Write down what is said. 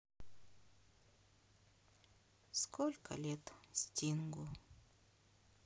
сколько лет стингу